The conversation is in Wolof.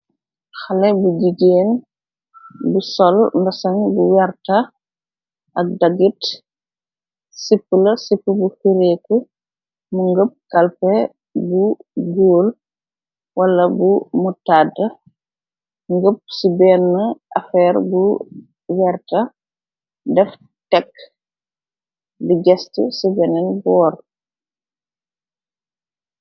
Xale bi jigéen bu sol mbesan bu weerta ak dagit sipla sip bu fireeku mu ngëpp kalpe bu góol wala bu mu tadd ngëpp ci benn afeer bu weerta def tekk di gest ci beneen boor.